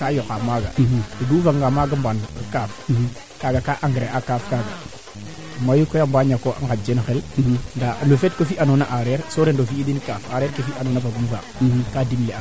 pour cegel ke a ñaam ta maaga wala de yer taa maaga i nga sax ma ando naye peut :far etre imba leya a bañ wiin we a diñata baa ndoko yo a bañake refee kaa jaxla toonga parce que o ndeeta ngaan no ndiing ne fagun faak